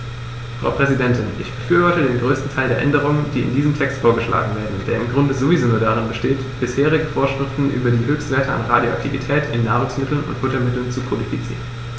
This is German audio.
Frau Präsidentin, ich befürworte den größten Teil der Änderungen, die in diesem Text vorgeschlagen werden, der im Grunde sowieso nur darin besteht, bisherige Vorschriften über die Höchstwerte an Radioaktivität in Nahrungsmitteln und Futtermitteln zu kodifizieren.